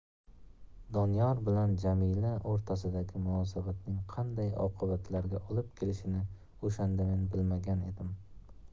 doniyor bilan jamila o'rtasidagi munosabatning qanday oqibatlarga olib kelishini o'shanda men bilmagan edim